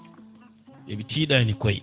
eɓe tiiɗani kooye